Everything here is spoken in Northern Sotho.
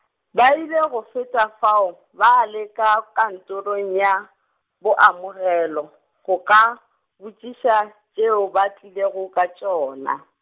ba ile go feta fao, ba leka kantorong ya, boamogelo go ka, botšiša, tšeo ba tlilego ka tšona.